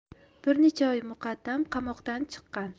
bir necha oy muqaddam qamoqdan chiqqan